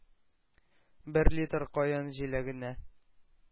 Бер литр каен җиләгенә